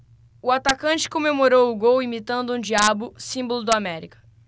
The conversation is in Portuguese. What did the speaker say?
o atacante comemorou o gol imitando um diabo símbolo do américa